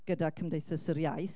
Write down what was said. Gyda Cymdeithas yr Iaith.